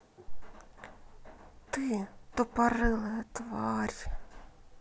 ты тупорылая тварь